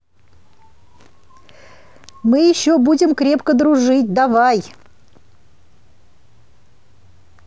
мы еще будем крепко дружить давай